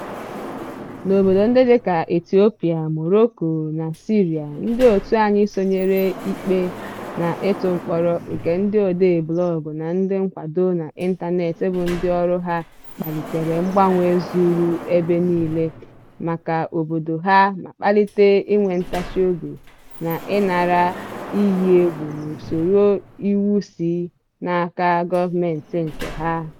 N'obodo ndị dịka Ethiopia, Morocco na Syria ndịòtù anyị sonyere ikpe na ịtụ mkpọrọ nke ndị odee blọọgụ na ndị nkwado n'ịntaneetị bụ ndị ọrụ ha kpalitere mgbanwe zuru ebe niile maka obodo ha ma kpalite inwe ntachị obi n'ịnara iyi egwu n'usoro iwu si n'aka gọọmentị nke ha.